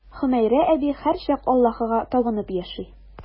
Хөмәйрә әби һәрчак Аллаһыга табынып яши.